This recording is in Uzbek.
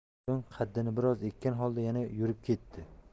so'ng qaddini bir oz eggan holda yana yurib ketdi